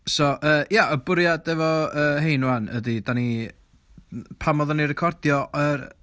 So yy ia, y bwriad efo yy hein 'wan ydy dan ni... pan oeddan ni'n recordio yr...